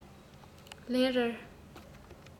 ལན རེར